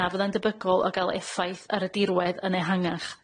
na fyddai'n debygol o ga'l effaith ar y dirwedd yn ehangach.